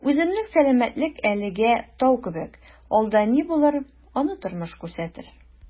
Үземнең сәламәтлек әлегә «тау» кебек, алда ни булыр - аны тормыш күрсәтер...